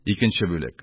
Икенче бүлек